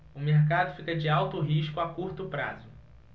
o mercado fica de alto risco a curto prazo